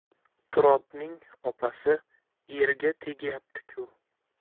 turobning opasi erga tegyapti ku